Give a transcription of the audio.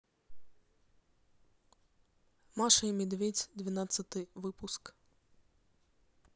маша и медведь двенадцатый выпуск